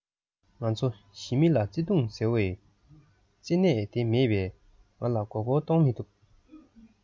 ང ཚོ ཞི མི ལ བརྩེ དུང ཟེར བའི རྩེད ཆས དེ མེད པས ང ལ མགོ སྐོར གཏོང མི ཐུབ